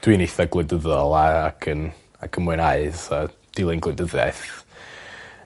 Dwi'n eitha gwleidyddol a ac yn ac yn mwynhau fatha dilyn gwleidyddiaeth